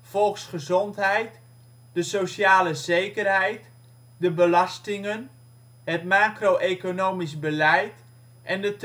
volksgezondheid, de sociale zekerheid, de belastingen, het macro-economisch beleid en de tewerkstelling